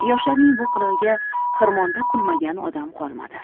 yoshlarning bu qilig'iga xirmonda kulmagan odam qolmadi